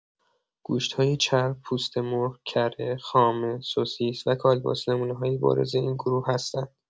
گوشت‌های چرب، پوست مرغ، کره، خامه، سوسیس و کالباس نمونه‌های بارز این گروه هستند.